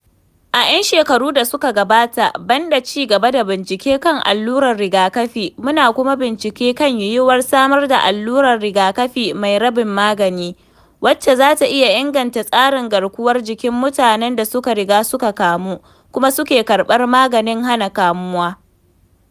A 'yan shekaru da suka gabata, ban da ci gaba da bincike kan allurar rigakafi, muna kuma bincike kan yiwuwar samar da allurar rigakafi mai rabin magani, wacce za ta iya inganta tsarin garkuwar jikin mutanen da suka riga suka kamu, kuma suke karɓar maganin hana kamuwa.